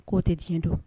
K'o tɛ tiɲɛ don